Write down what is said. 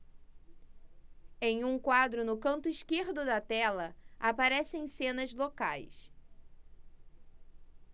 em um quadro no canto esquerdo da tela aparecem cenas locais